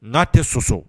N'a tɛ sɔsɔ.